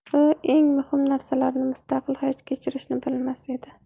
u eng muhim narsani mustaqil hayot kechirishni bilmas edi